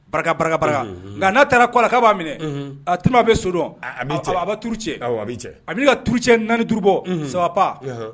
Baraka baraka baraka unhun ŋa n'a taara kun a la ko a b'a minɛ unhun e tellement a be so dɔn a a b'i cɛ a a be _ tour cɛ awɔ a b'i cɛ a be ɲini ŋa tour cɛ 4, 5 bɔ unhun ça va pas anhan